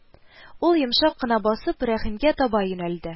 Ул, йомшак кына басып, Рәхимгә таба юнәлде